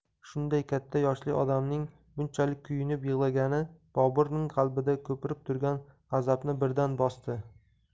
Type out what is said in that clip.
shunday katta yoshli odamning bunchalik kuyunib yig'lagani boburning qalbida ko'pirib turgan g'azabni birdan bosdi